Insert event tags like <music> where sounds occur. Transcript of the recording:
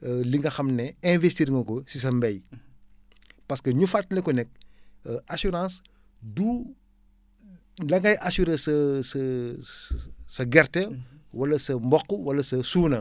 <hesitation> li nga xam ne investir nga ko si sa mbéy parce que ñu fàttaliku ne assurance du la ngay assuré sa sa sa sa gerte wala sa mboq wala sa suuna